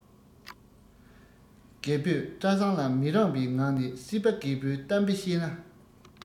རྒད པོས བཀྲ བཟང ལ མི རངས པའི ངང ནས སྲིད པ རྒད པོས གཏམ དཔེ བཤད ན